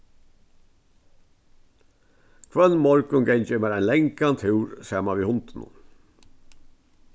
hvønn morgun gangi eg mær ein langan túr saman við hundinum